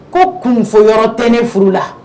Ko kunfɔ yɔrɔ tɛ ne furu la